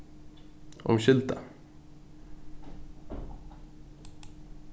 umskylda